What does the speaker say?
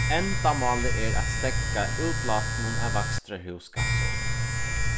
endamálið er at steðga útlátinum av vakstrarhúsgassum